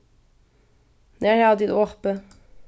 nær hava tit opið